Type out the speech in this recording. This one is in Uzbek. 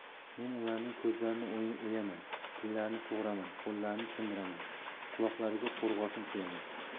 men ularning ko'zlarini o'yaman tillarini sug'uraman qo'llarini sindiraman quloqlariga qo'rg'oshin quyaman